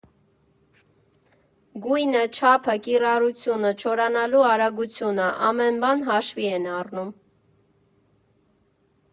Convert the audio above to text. Գույնը, չափը, կիրառությունը, չորանալու արագությունը, ամեն բան հաշվի են առնում։